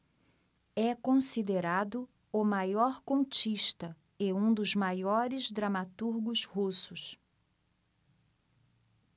é considerado o maior contista e um dos maiores dramaturgos russos